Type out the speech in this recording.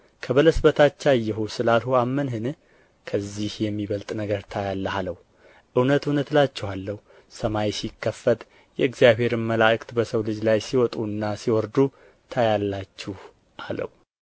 ከበለስ በታች አየሁህ ስላልሁህ አመንህን ከዚህ የሚበልጥ ነገር ታያለህ አለው እውነት እውነት እላችኋለሁ ሰማይ ሲከፈት የእግዚአብሔርም መላእክት በሰው ልጅ ላይ ሲወጡና ሲወርዱ ታያላችሁ አለው